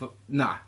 Ffo- na.